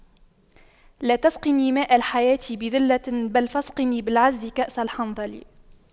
لا تسقني ماء الحياة بذلة بل فاسقني بالعز كأس الحنظل